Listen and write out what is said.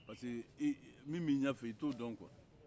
parce que min bɛ e ɲɛfɛ e t'o dɔn kuwa